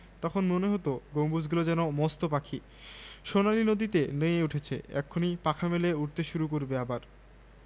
তখন মনে হতো গম্বুজগুলো যেন মস্ত পাখি সোনালি নদীতে নেয়ে উঠেছে এক্ষুনি পাখা মেলে উড়তে শুরু করবে আবার